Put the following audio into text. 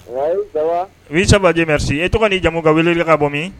U ye sabajime e tɔgɔ ni jamu ka welela ka bɔ min